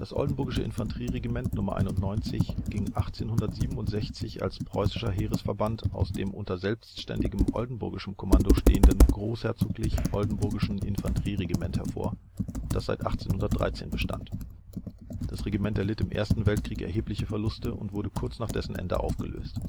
Oldenburgische Infanterie-Regiment Nr. 91 ging 1867 als preußischer Heeresverband aus dem unter selbständigem oldenburgischem Kommando stehenden Großherzoglich Oldenburgischen Infanterie-Regiment hervor, das seit 1813 bestand. Das Regiment erlitt im Ersten Weltkrieg erhebliche Verluste und wurde kurz nach dessen Ende aufgelöst